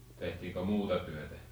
tehtiinkö muuta työtä